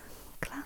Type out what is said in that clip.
Klar.